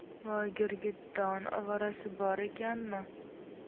voy girgitton ovorasi bor ekanmi